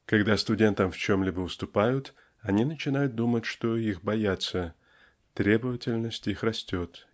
Когда студентам в чем-либо уступают они начинают думать что их боятся требовательность их растет